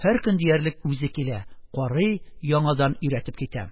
Һәр көн диярлек, үзе килә, карый, яңадан өйрәтеп китә.